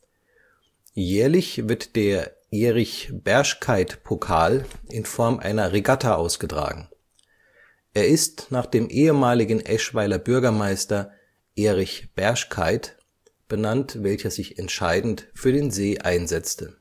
Jährlich wird der Erich-Berschkeit-Pokal in Form einer Regatta ausgetragen. Er ist nach dem ehemaligen Eschweiler Bürgermeister Erich Berschkeit (1984 - 1986), welcher sich entscheidend für den See einsetzte